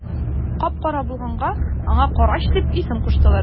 Кап-кара булганга аңа карач дип исем куштылар.